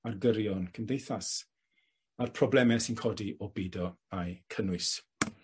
ar gyrion cymdeithas, a'r probleme sy'n codi o bido a'u cynnwys?